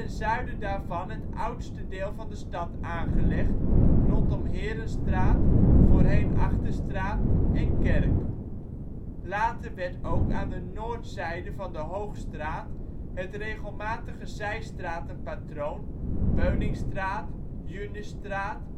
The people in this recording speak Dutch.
zuiden daarvan het oudste deel van de stad aangelegd, rondom Heerenstraat (voorheen Achterstraat) en kerk. Later werd ook aan de noordzijde van de Hoogstraat het regelmatige zijstratenpatroon (Beuningstraat, Junusstraat